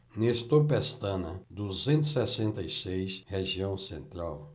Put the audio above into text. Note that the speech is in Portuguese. nestor pestana duzentos e sessenta e seis região central